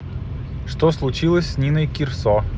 что случилось с ниной кирсо